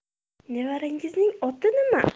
nevarangizning oti nima